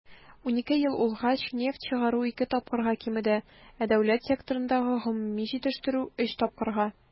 12 ел узгач нефть чыгару ике тапкырга кимеде, ә дәүләт секторындагы гомуми җитештерү - өч тапкырга.